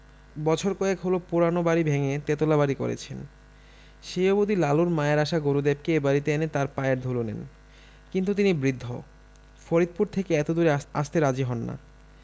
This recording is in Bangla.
বছর কয়েক হলো পুরানো বাড়ি ভেঙ্গে তেতলা বাড়ি করেছেন সেই অবধি লালুর মায়ের আশা গুরুদেবকে এ বাড়িতে এনে তাঁর পায়ের ধুলো নেন কিন্তু তিনি বৃদ্ধ ফরিদপুর থেকে এতদূরে আসতে রাজী হন না